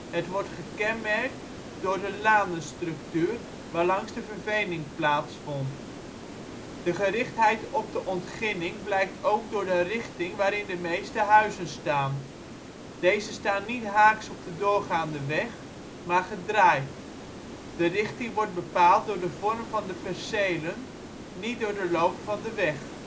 Het wordt gekenmerkt door de lanenstructuur, waarlangs de vervening plaats vond. De gerichtheid op de ontginning blijkt ook door de richting waarin de meeste huizen staan. Deze staan niet haaks op de doorgaande weg, maar gedraaid. De richting wordt bepaald door de vorm van de percelen, niet door de loop van de weg